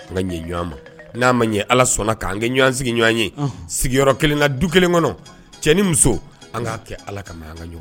An ka ɲɛ ɲɔgɔn ma n'a ma ɲɛ ala sɔnna k'an kɛ ɲɔgɔnwan sigi ɲɔgɔn ye sigiyɔrɔ kelen ka du kelen kɔnɔ cɛ ni muso an k'a kɛ ala ka an ka ɲɔgɔn